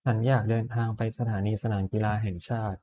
ฉันอยากเดินทางไปสถานีสนามกีฬาแห่งชาติ